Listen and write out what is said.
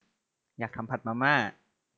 อยากทำผัดมาม่า